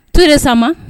Tout récemment